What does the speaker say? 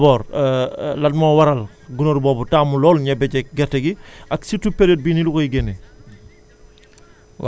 d' abord lan moo waral gunóor boobu taamu lool ñebe jeeg gerte gi ak surtout période bii nii Louga yi génnee